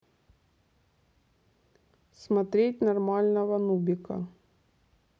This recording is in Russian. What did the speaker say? смотреть нормального нубика